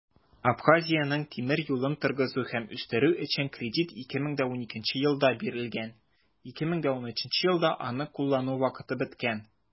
Абхазиянең тимер юлын торгызу һәм үстерү өчен кредит 2012 елда бирелгән, 2013 елда аны куллану вакыты беткән.